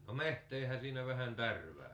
no metsäähän siinä vähän tärväytyi